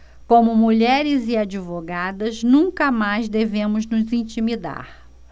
como mulheres e advogadas nunca mais devemos nos intimidar